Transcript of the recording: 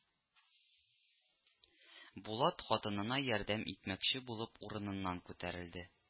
Булат хатынына ярдәм итмәкче булып урыныннан күтәрелде